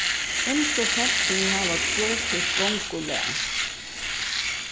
ymsu fólkini hava hvør sítt gongulag